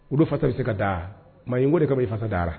Olu fa i se ka da maa in ko de ka i fasa dara